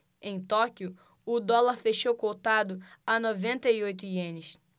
em tóquio o dólar fechou cotado a noventa e oito ienes